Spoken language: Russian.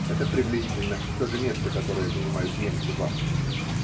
Это, приблизительно, то же место, которое занимают немцы в Австрии.